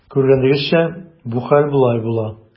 Күргәнегезчә, бу хәл болай була.